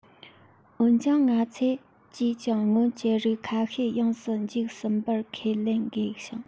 འོན ཀྱང ང ཚོས ཅིས ཀྱང སྔོན གྱི རིགས ཁ ཤས ཡོངས སུ འཇིག ཟིན པར ཁས ལེན དགོས ཤིང